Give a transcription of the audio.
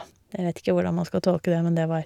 Jeg vet ikke hvordan man skal tolke det, men det var...